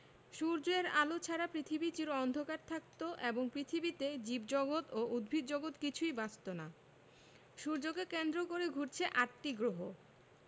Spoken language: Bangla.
সূর্যের আলো ছাড়া পৃথিবী চির অন্ধকার থাকত এবং পৃথিবীতে জীবজগত ও উদ্ভিদজগৎ কিছুই বাঁচত না সূর্যকে কেন্দ্র করে ঘুরছে আটটি গ্রহ